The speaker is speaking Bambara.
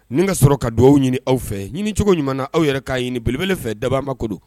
Nin ka sɔrɔ ka dugawu aw ɲini aw fɛ ɲini cogo ɲuman aw yɛrɛ k'a ɲinielebele fɛ dababa ko don